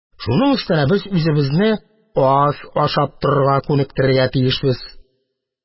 Шуның өстенә без үзебезне аз ашап торырга күнектерергә тиешбез.